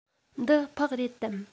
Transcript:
འདི ཕག རེད དམ